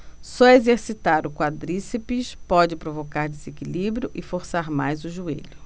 só exercitar o quadríceps pode provocar desequilíbrio e forçar mais o joelho